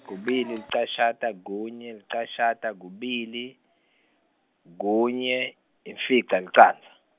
kubili licashata, kunye, licashata, kubili, kunye, imfica licandza.